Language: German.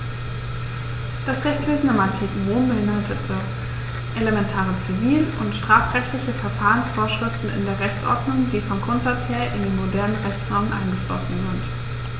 Das Rechtswesen im antiken Rom beinhaltete elementare zivil- und strafrechtliche Verfahrensvorschriften in der Rechtsordnung, die vom Grundsatz her in die modernen Rechtsnormen eingeflossen sind.